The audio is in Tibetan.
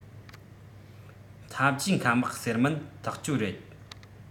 འཐབ ཇུས མཁའ དམག ཟེར མིན ཐག ཆོད རེད